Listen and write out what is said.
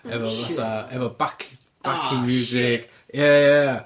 efo fatha, efo bac- backing music, ie, ie, ie.